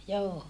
joo